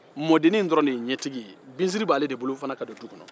mɔdennin dɔrɔn fana de ye ɲɛtigi ye binsiri b'ale de fana bolo ka don so kɔnɔ